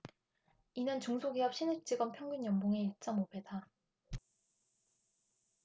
이는 중소기업 신입 직원 평균 연봉의 일 쩜 오 배다